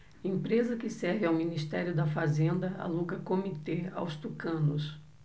empresa que serve ao ministério da fazenda aluga comitê aos tucanos